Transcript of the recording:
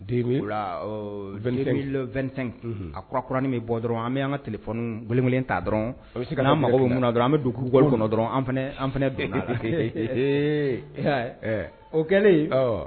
2t a kurauran bɛ bɔ dɔrɔn an bɛ' an ka tilef kelen t'a dɔrɔn bɛ se ka an mago minnu dɔrɔn an bɛ dugu kulubali kɔnɔ dɔrɔn an fana bɛn ee o kɛlen